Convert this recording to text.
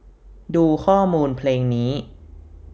ดูข้อมูลเพลงนี้